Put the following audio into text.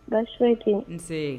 Ba su tɛ nse